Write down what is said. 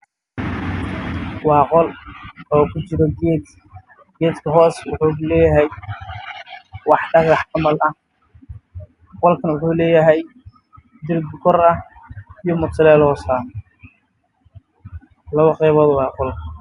Waa qol kujiro geed geedka wuxuu hoos ku leyahay wax dhagax camal ah